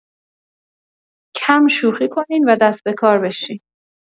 کم شوخی کنین و دست‌به‌کار بشین.